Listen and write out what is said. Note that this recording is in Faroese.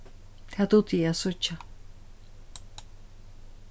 tað dugdi eg at síggja